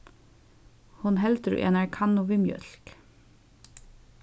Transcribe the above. hon heldur í einari kannu við mjólk